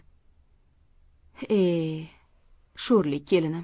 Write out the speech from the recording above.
e e sho'rlik kelinim